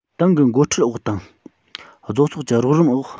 ཏང གི འགོ ཁྲིད འོག དང བཟོ ཚོགས ཀྱི རོགས རམ འོག